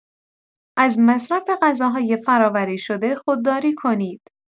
از مصرف غذاهای فرآوری‌شده خودداری کنید.